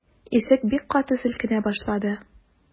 Ишек бик каты селкенә башлады.